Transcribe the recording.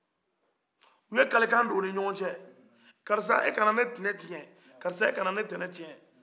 u ye kale kan don u ni ɲɔgɔn cɛ karisa e kana ne tana tiɲɛ karisa e kana ne tana tiɲɛ